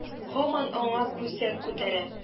Һаман аңа күсәк күтәрә.